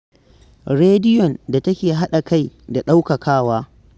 Rediyon da take haɗa kai da ɗaukakawa